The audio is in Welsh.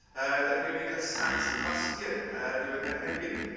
yy dechreuwn ni gyda San Sebastian ar diwedd Mehefin.